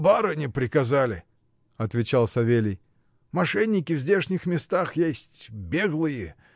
— Барыня приказали, — отвечал Савелий, — мошенники в здешних местах есть. беглые.